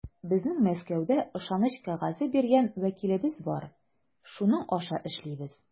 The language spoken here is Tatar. Безнең Мәскәүдә ышаныч кәгазе биргән вәкилебез бар, шуның аша эшлибез.